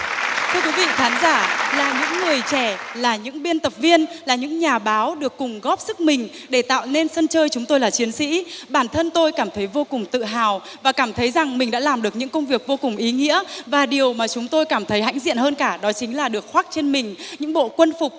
thưa quý vị khán giả những người trẻ là những biên tập viên là những nhà báo được cùng góp sức mình để tạo nên sân chơi chúng tôi là chiến sĩ bản thân tôi cảm thấy vô cùng tự hào và cảm thấy rằng mình đã làm được những công việc vô cùng ý nghĩa và điều mà chúng tôi cảm thấy hãnh diện hơn cả đó chính là được khoác trên mình những bộ quân phục